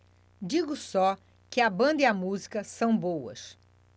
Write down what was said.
digo só que a banda e a música são boas